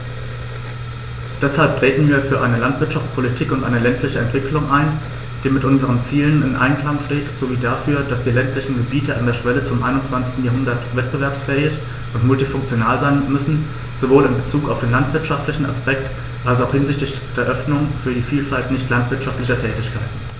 Deshalb treten wir für eine Landwirtschaftspolitik und eine ländliche Entwicklung ein, die mit unseren Zielen im Einklang steht, sowie dafür, dass die ländlichen Gebiete an der Schwelle zum 21. Jahrhundert wettbewerbsfähig und multifunktional sein müssen, sowohl in bezug auf den landwirtschaftlichen Aspekt als auch hinsichtlich der Öffnung für die Vielfalt nicht landwirtschaftlicher Tätigkeiten.